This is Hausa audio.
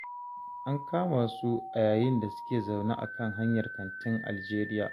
An kama su a yayin da suke zaune a kan hanyar kantin Algeria.